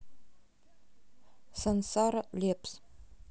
сансара лепс